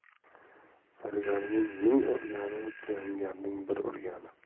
zargarning ming urgani chilangarning bir urgani